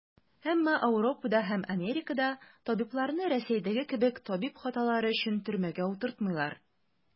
Әмма Ауропада һәм Америкада табибларны, Рәсәйдәге кебек, табиб хаталары өчен төрмәгә утыртмыйлар.